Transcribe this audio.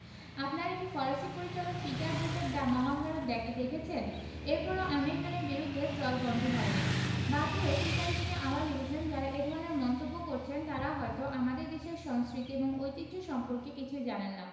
আপনারা কি ফরাসি পরিচালক পিটার ব্রুকের “দ্য মহাভারত” দে দেখেছেন এরপরও আমির খানের বিরুদ্ধে ট্রল বন্ধ হয়নি বাধ্য হয়ে টুইটারে তিনি আবারও লিখেছেন যাঁরা এ ধরনের মন্তব্য করছেন তাঁরা হয়তো আমাদের দেশের সংস্কৃতি এবং ঐতিহ্য সম্পর্কে কিছুই জানেন না